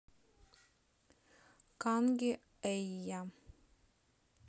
канги эйя